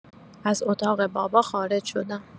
از اتاق بابا خارج شدم.